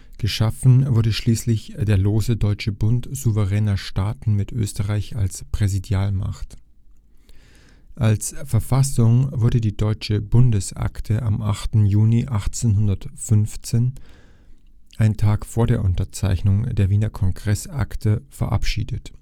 Geschaffen wurde schließlich der lose Deutsche Bund souveräner Staaten mit Österreich als Präsidialmacht. Als Verfassung wurde die Deutsche Bundesakte am 8. Juni 1815, ein Tag vor der Unterzeichnung der Wiener Kongressakte, verabschiedet